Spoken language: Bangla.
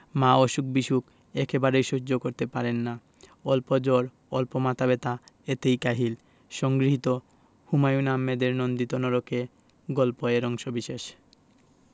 মা অসুখ বিসুখ একেবারেই সহ্য করতে পারেন না অল্প জ্বর অল্প মাথা ব্যাথা এতেই কাহিল সংগৃহীত হুমায়ুন আহমেদের নন্দিত নরকে গল্প এর অংশবিশেষ